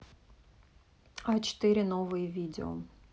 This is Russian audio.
а четыре новые видео